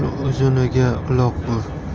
bo'l uzuniga uloq bo'l